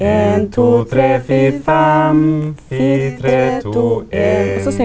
ein to tre fire fem fire tre to ein.